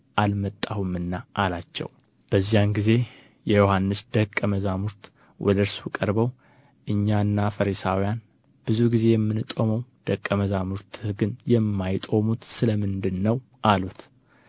አልመጣሁምና አላቸው በዚያን ጊዜ የዮሐንስ ደቀ መዛሙርት ወደ እርሱ ቀርበው እኛና ፈሪሳውያን ብዙ ጊዜ የምንጦመው ደቀ መዛሙርትህ ግን የማይጦሙት ስለ ምንድር ነው አሉት